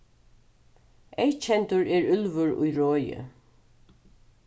eyðkendur er úlvur í roði